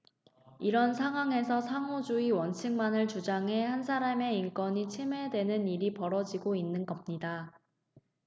이런 상황에서 상호주의 원칙만을 주장해 한 사람의 인권이 침해되는 일이 벌어지고 있는 겁니다